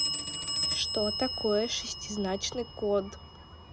что такое шестизначный код